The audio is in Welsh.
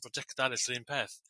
projecta' erill ry'n peth